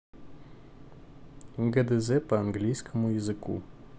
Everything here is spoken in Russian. гдз по английскому языку